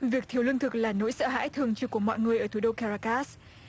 việc thiếu lương thực là nỗi sợ hãi thường trực của mọi người ở thủ đô ca ra cát sừ